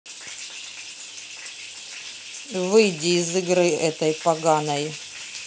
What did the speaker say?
выйди из игры этой поганой